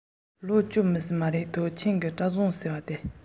མ སོན པའི ཁྱིམ གྱི བཀྲ བཟང ཟེར བའི